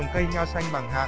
cách trồng nho xanh bằng hạt